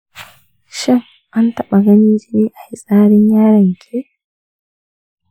shin an taɓa ganin jini a fitsarin yaron ki?